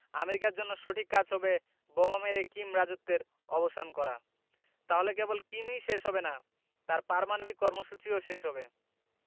আমেরিকার জন্য সঠিক কাজ হবে বোমা মেরে কিম রাজত্বের অবসান করা তাহলে কেবল কিমই শেষ হবে না তাঁর পারমাণবিক কর্মসূচিও শেষ হবে